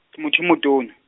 ke motho motona.